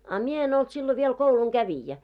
a minä en ollut silloin vielä koulunkävijä